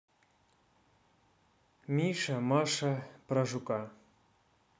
миша маша про жука